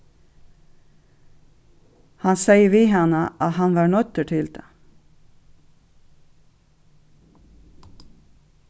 hann segði við hana at hann var noyddur til tað